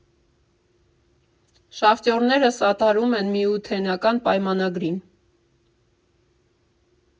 Շախտյորները սատարում են Միութենական պայմանագրին։